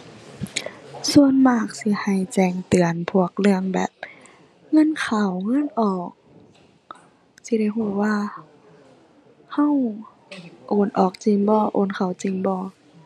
ส่วนมากสิให้แจ้งเตือนพวกเรื่องแบบ เงินเข้าเงินออก สิได้รู้ว่า รู้โอนออกจริงบ่ โอนเข้าจริงบ่